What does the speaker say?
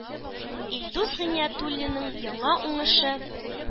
Илдус Гыйниятуллинның яңа уңышы